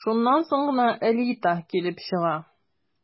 Шуннан соң гына «элита» килеп чыга...